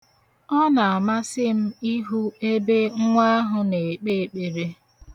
Ọ na-amasị m ịhụ ebe nwa ahụ na-ekpe ekpere.